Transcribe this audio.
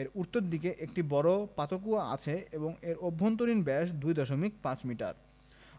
এর উত্তর দিকে একটি বড় পাতকূয়া আছে এর অভ্যন্তরীণ ব্যাস ২ দশমিক ৫ মিটার